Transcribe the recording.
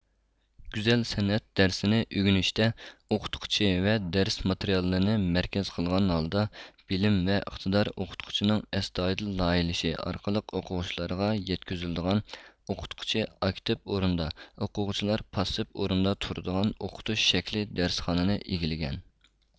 گۈزەل سەنئەت دەرسىنى ئۆگىنىشتە ئوقۇتقۇچى ۋە دەرس ماتېرىيالىنى مەركەز قىلغان ھالدا بىلىم ۋە ئىقتىدار ئوقۇتقۇچىنىڭ ئەستايىدىل لايىھىلىشى ئارقىلىق ئوقۇغۇچىلارغا يەتكۈزۈلىدىغان ئوقۇتقۇچى ئاكتىپ ئورۇندا ئوقۇغۇچىلار پاسسىپ ئورۇندا تۇرىدىغان ئوقۇتۇش شەكلى دەرسخانىنى ئىگىلىگەن